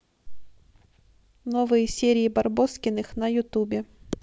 новые серии барбоскиных на ютубе